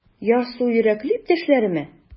Ярсу йөрәкле иптәшләреме?